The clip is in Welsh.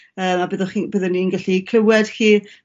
Yy a byddwch chi'n byddwn ni'n gellu clywed chi